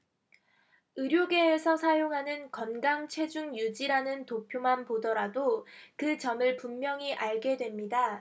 의료계에서 사용하는 건강 체중 유지라는 도표만 보더라도 그 점을 분명히 알게 됩니다